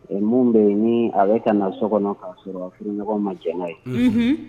Minnu bɛ yen ni a bɛ ka na so kɔnɔ k'a sɔrɔ furuɲɔgɔn ma janka ye